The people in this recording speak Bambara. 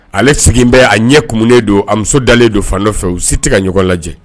Ale sigilen bɛ a ɲɛ kunen don a muso dalen don fan fɛ u si se ɲɔgɔn lajɛ